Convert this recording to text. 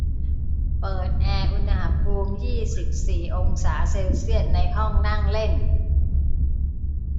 เปิดแอร์อุณหภูมิยี่สิบสี่องศาเซลเซียสในห้องนั่งเล่น